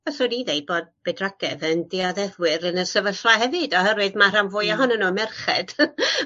Wel swn i ddeud bod bydwragedd yn dioddefwyr yn y sefyllfa hefyd oherwydd ma' rhan fwy ohonyn nw'n merched.